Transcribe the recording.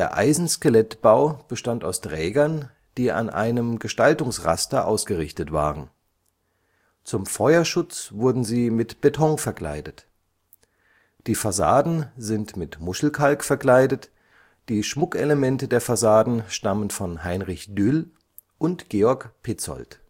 Eisenskelettbau bestand aus Trägern, die an einem Gestaltungsraster ausgerichtet waren. Zum Feuerschutz wurden sie mit Beton verkleidet. Die Fassaden sind mit Muschelkalk verkleidet, die Schmuckelemente der Fassaden stammen von Heinrich Düll und Georg Pezold